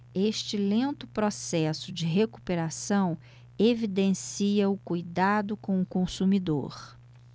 este lento processo de recuperação evidencia o cuidado com o consumidor